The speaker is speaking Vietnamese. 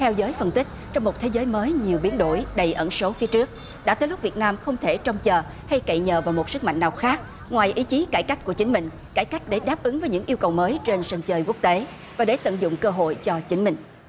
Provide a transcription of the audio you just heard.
theo giới phân tích trong một thế giới mới nhiều biến đổi đầy ẩn số phía trước đã tới lúc việt nam không thể trông chờ hay cậy nhờ vào một sức mạnh nào khác ngoài ý chí cải cách của chính mình cải cách để đáp ứng với những yêu cầu mới trên sân chơi quốc tế và để tận dụng cơ hội cho chính mình